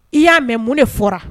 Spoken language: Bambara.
I y'a mɛ mun ne fɔra